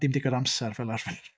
Dim digon o amser fel arfer.